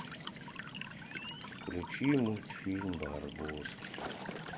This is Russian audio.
включи мультфильм барбоскины